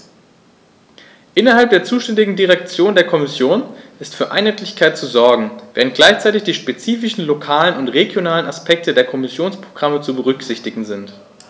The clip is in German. Innerhalb der zuständigen Direktion der Kommission ist für Einheitlichkeit zu sorgen, während gleichzeitig die spezifischen lokalen und regionalen Aspekte der Kommissionsprogramme zu berücksichtigen sind.